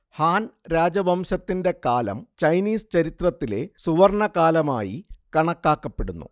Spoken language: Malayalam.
ഹാൻ രാജവംശത്തിന്റെ കാലം ചൈനീസ് ചരിത്രത്തിലെ സുവർണ്ണകാലമായി കണക്കാക്കപ്പെടുന്നു